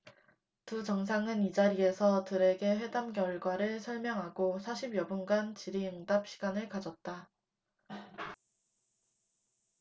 두 정상은 이 자리에서 들에게 회담 결과를 설명하고 사십 여분간 질의응답 시간을 가졌다